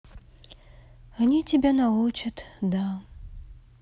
они тебя научат да